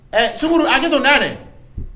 Ɛ segu a don dan dɛ